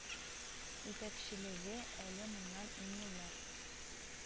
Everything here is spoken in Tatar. Итәкчелеге әле моннан ун еллар